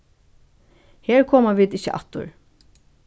her koma vit ikki aftur